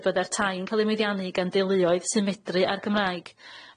y bydde'r tai'n ca'l eu meddiannu gan deuluoedd sy'n medru ar Gymraeg.